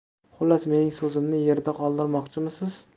xullas mening so'zimni yerda qoldirmoqchimisiz